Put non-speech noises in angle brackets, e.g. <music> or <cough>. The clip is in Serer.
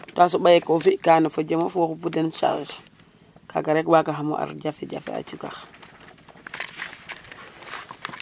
to a soɓa ke o fi'ka no fo jem of wo xupu den charge kaaga rek waagaxam o at jafe-jaje na cikax. <noise>